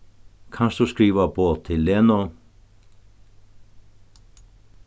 kanst tú skriva boð til lenu